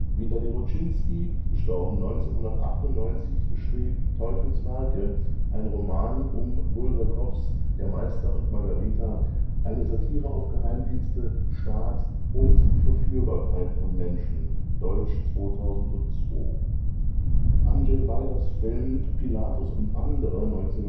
Witali Rutschinski (gest. 1998) schrieb Teufels Werke. Ein Roman um Bulgakows „ Der Meister und Margarita “, eine Satire auf Geheimdienste, Staat und die Verführbarkeit von Menschen, deutsch 2002. Andrzej Wajdas Film Pilatus und andere (1972